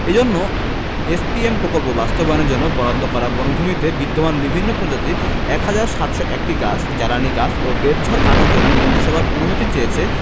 এজন্য এসপিএম প্রকল্প বাস্তবায়নের জন্য বরাদ্দ করা বনভূমিতে বিদ্যমান বিভিন্ন প্রজাতির ১ হাজার ৭০১টি গাছ জ্বালানি গাছ ও বেতঝাড় কাটার জন্য মন্ত্রিসভার অনুমতি চেয়েছে